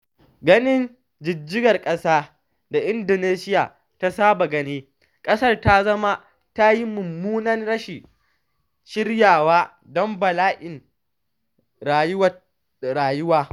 Ganin jijjigar ƙasa da Indonesiya ta saba gani, ƙasar ta zama ta yi mummunan rashin shiryawa don bala’in rayuwa.